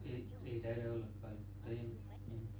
ei ei taida olla paljon tai en en